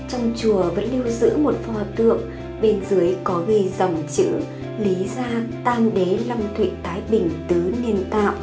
trong chùa vẫn lưu giữ một pho tượng bên dưới có ghi dòng chữ lý ra tam đế long thụy thái bình tứ niên tạo